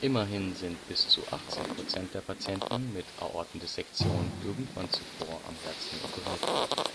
Immerhin sind bis zu 18 % der Patienten mit Aortendissektion irgendwann zuvor am Herzen operiert worden